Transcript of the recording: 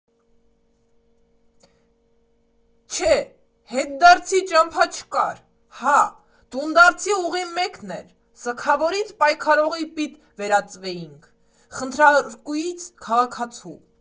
Չէ՛, հետդարձի ճամփա չկար, հա՛, տունդարձի ուղին մեկն էր՝ սգավորից պայքարողի պիտ վերածվեինք, խնդրարկուից՝ քաղաքացու։